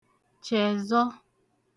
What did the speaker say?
chẹ̀zọ